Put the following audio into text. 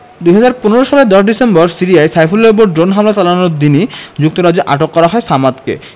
২০১৫ সালের ১০ ডিসেম্বর সিরিয়ায় সাইফুলের ওপর ড্রোন হামলা চালানোর দিনই যুক্তরাজ্যে আটক করা হয় সামাদকে